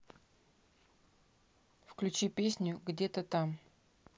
включи песню где то там